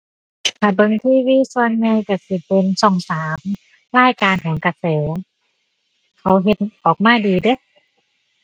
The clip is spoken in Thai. ถ้าเบิ่ง TV ส่วนใหญ่ก็สิเป็นช่องสาม รายการโหนกระแส เขาเฮ็ดออกมาดีเดะ